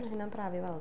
Ma' hynna'n braf i weld.